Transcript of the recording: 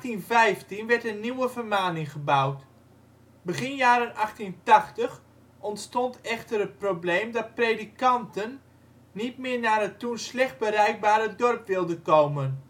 In 1815 werd een nieuwe vermaning gebouwd. Begin jaren 1880 ontstond echter het probleem dat predikanten niet meer naar het toen slecht bereikbare dorp wilden komen